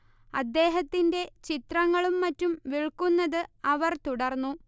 അദ്ദേഹത്തിന്റെ ചിത്രങ്ങളും മറ്റും വിൽക്കുന്നത് അവർ തുടർന്നു